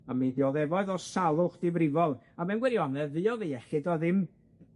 a mi ddioddefodd o salwch difrifol a mewn gwirionedd fuodd ei iechyd o ddim